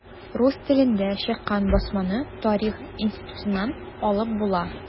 Рус телендә чыккан басманы Тарих институтыннан алып була.